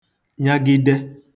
nyagide